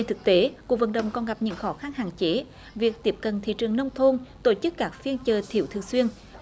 thực tế của phương đông còn gặp những khó khăn hạn chế việc tiếp cận thị trường nông thôn tổ chức các phiên chợ thiệu thường xuyên